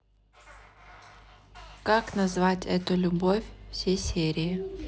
как назвать эту любовь все серии